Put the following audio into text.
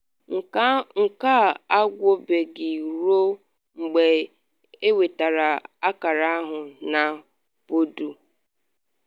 Nke a agwụbeghị ruo mgbe inwetara akara ahụ na bọdụ.